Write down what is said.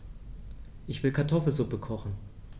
Ich will Kartoffelsuppe kochen.